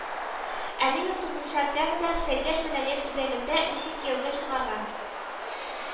Әминов тугызынчы октябрьдә Сәйдәш мәдәни үзәгендә, Ничек кияүгә чыгарга